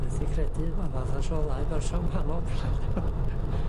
Methu credu ma' fath a 'so ddau berson wahanol.